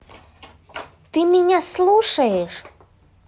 ты меня слушаешь